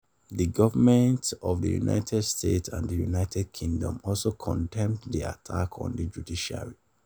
The governments of the United States and the United Kingdom also condemned the attack on the judiciary.